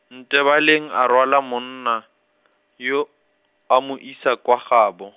Ntebaleng a rwala monna, yo, a mo isa kwa gabo.